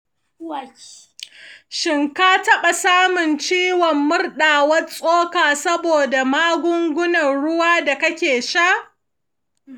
shin ka taɓa samun ciwon murɗawar tsoka saboda magungunan ruwa da kake sha?